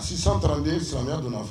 632 silamanya donna